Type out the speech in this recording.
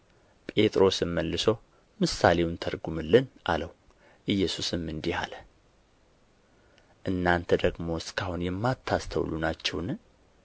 ጴጥሮስም መልሶ ምሳሌውን ተርጕምልን አለው ኢየሱስም እንዲህ አለ እናንተ ደግሞ እስካሁን የማታስተውሉ ናችሁን